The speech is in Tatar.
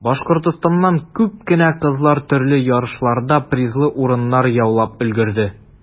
Башкортстаннан күп кенә кызлар төрле ярышларда призлы урыннар яулап өлгерде.